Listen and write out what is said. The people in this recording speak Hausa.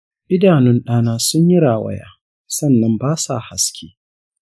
idanun ɗana sun yi rawaya sannan basa haske.